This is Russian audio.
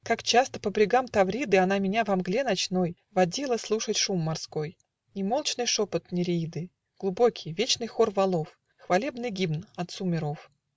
Как часто по брегам Тавриды Она меня во мгле ночной Водила слушать шум морской, Немолчный шепот Нереиды, Глубокий, вечный хор валов, Хвалебный гимн отцу миров.